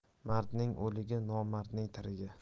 mardning o'ligi nomardning tirigi